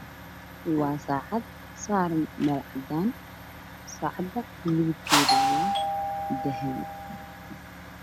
Waa saacad saaran meel cadaan saacada midabkeeda waa dahabi